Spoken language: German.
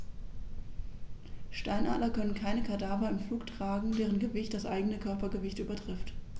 Steinadler können keine Kadaver im Flug tragen, deren Gewicht das eigene Körpergewicht übertrifft.